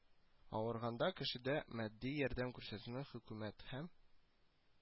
Авырганда кешегә матди ярдәм күрсәтүне хөкүмәт һәм